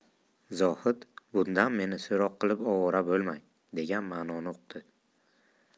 zohid bundan meni so'roq qilib ovora bo'lmang degan ma'noni uqdi